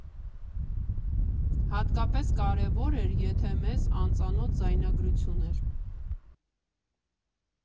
Հատկապես կարևոր էր, եթե մեզ անծանոթ ձայնագրություն էր։